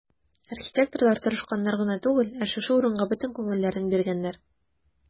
Архитекторлар тырышканнар гына түгел, ә шушы урынга бөтен күңелләрен биргәннәр.